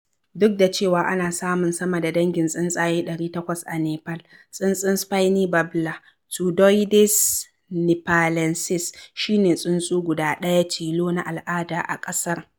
Duk da cewa ana samun sama da dangin tsuntsaye 800 a Nepal, tsuntsun Spiny Babbler (Turdoides nipalensis) shi ne tsuntsu guɗa ɗaya tilo na al'ada a ƙasar.